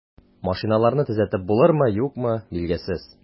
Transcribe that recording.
Машиналарны төзәтеп булырмы, юкмы, билгесез.